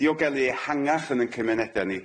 Diogelu ehangach yn ein cymunede ni.